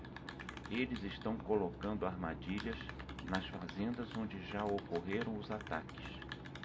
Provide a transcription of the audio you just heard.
eles estão colocando armadilhas nas fazendas onde já ocorreram os ataques